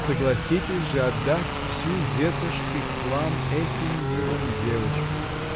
— Согласитесь же отдать всю ветошь и хлам этим милым девочкам.